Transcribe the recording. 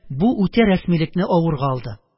Бу үтә рәсмилекне авырга алды.